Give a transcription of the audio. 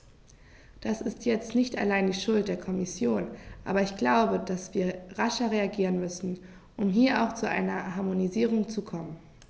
Das ist jetzt nicht allein die Schuld der Kommission, aber ich glaube, dass wir rascher reagieren müssen, um hier auch zu einer Harmonisierung zu kommen.